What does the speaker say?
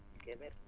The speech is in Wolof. ok merci